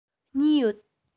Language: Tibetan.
གཉིས ཡོད